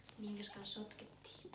minkäs kanssa sotkettiin